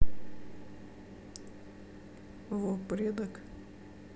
во предок